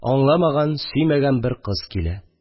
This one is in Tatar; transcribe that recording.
Аңламаган, сөймәгән бер кыз килә